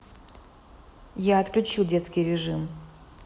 я отключил детский режим